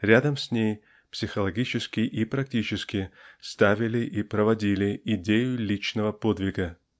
рядом с ней психологически и практически ставили и проводили идею личного подвига.